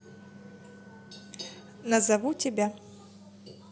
назову тебя